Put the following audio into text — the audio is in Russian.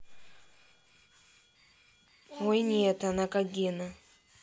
ой нет как она гена